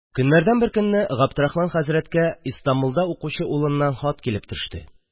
Көннәрдән бер көнне Габдрахман хәзрәткә Истанбулда укучы улыннан хат килеп төште